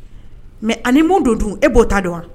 Mɛ ani mun don dun e'o ta don wa